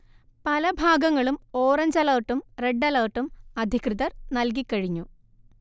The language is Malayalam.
പലഭാഗങ്ങളും ഓറഞ്ച് അലർട്ടും, റെഡ് അലർട്ടും അധികൃതർ നല്കികഴിഞ്ഞു